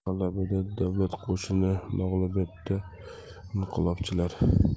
g'alabada davlat qo'shini mag'lubiyatda inqilobchilar